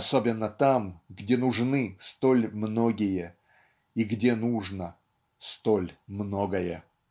особенно там, где нужны столь многие, где нужно столь многое.